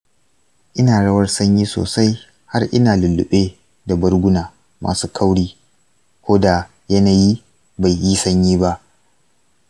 ina rawar sanyi sosai har ina lulluɓe da barguna masu kauri ko da yanayi bai yi sanyi ba.